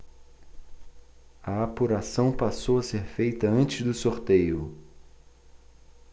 a apuração passou a ser feita antes do sorteio